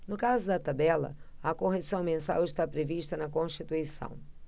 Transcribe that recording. no caso da tabela a correção mensal está prevista na constituição